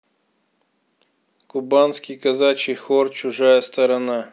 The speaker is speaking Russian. кубанский казачий хор чужая сторона